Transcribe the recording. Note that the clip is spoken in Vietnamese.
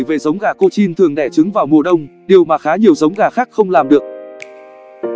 điều tuyệt vời về giống gà cochin thường đẻ trứng vào mùa đông điều mà khá nhiều giống gà khác không làm được